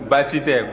baasi tɛ